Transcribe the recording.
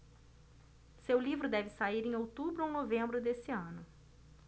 seu livro deve sair em outubro ou novembro deste ano